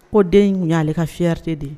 Ko den y'ale ka fite de ye